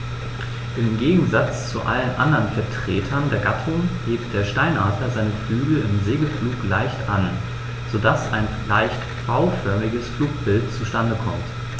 Im Gegensatz zu allen anderen Vertretern der Gattung hebt der Steinadler seine Flügel im Segelflug leicht an, so dass ein leicht V-förmiges Flugbild zustande kommt.